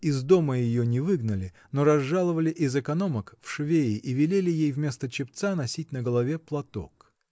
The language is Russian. из дома ее не выгнали, но разжаловали из экономок в швеи и велели ей вместо чепца носить на голове платок.